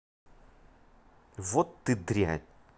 вот ты дрянь